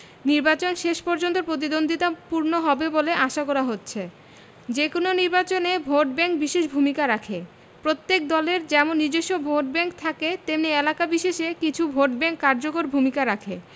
নির্বাচন শেষ পর্যন্ত প্রতিদ্বন্দ্বিতাপূর্ণ হবে বলে আশা করা হচ্ছে যেকোনো নির্বাচনে ভোটব্যাংক বিশেষ ভূমিকা রাখে প্রত্যেক দলের যেমন নিজস্ব ভোটব্যাংক থাকে তেমনি এলাকা বিশেষে কিছু ভোটব্যাংক কার্যকর ভূমিকা রাখে